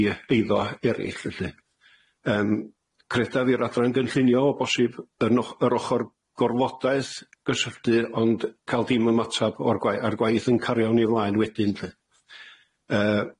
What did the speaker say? i eiddo eraill felly yym credaf i'r adran gynllunio o bosib yn och- yr ochor gorfodaeth gysylltu ond ca'l dim ymatab o'r gwae- â'r gwaith yn cario'n i flaen wedyn 'lly.